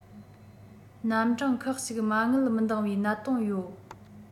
རྣམ གྲངས ཁག གཅིག མ དངུལ མི ལྡེང བའི གནད དོན ཡོད